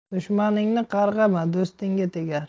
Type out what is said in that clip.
dushmaningni qarg'ama do'stingga tegar